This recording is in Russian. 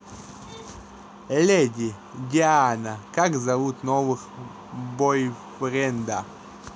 леди диана как зовут новых бойфренда